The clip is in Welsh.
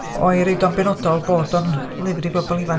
o'i roid o'n benodol, bod o'n lyfr i bobl ifanc...